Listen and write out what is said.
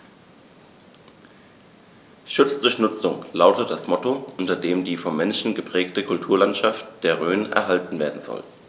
„Schutz durch Nutzung“ lautet das Motto, unter dem die vom Menschen geprägte Kulturlandschaft der Rhön erhalten werden soll.